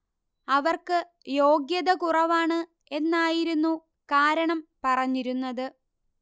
അവർക്ക് യോഗ്യത കുറവാണ് എന്നായിരുന്നു കാരണം പറഞ്ഞിരുന്നത്